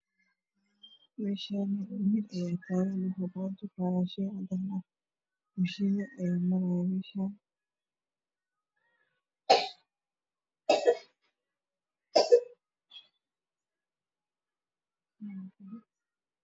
Meshani wil ayaa tagan woxow qorta ku hayaa sheey cadan ah mashino ayaa marayo meeshan